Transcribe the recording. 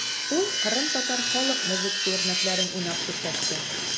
Ул кырымтатар халык музыкасы үрнәкләрен уйнап күрсәтте.